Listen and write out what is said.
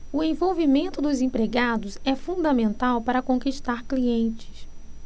o envolvimento dos empregados é fundamental para conquistar clientes